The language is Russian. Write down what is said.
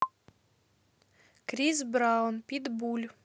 крис браун питбуль